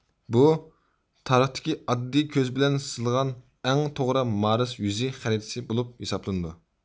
بۇ تارىختىكى ئاددىي كۆز بىلەن سىزىلغان ئەڭ توغرا مارس يۈزى خەرىتىسى بولۇپ ھېسابلىنىدۇ